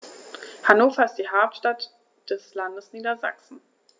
Hannover ist die Hauptstadt des Landes Niedersachsen.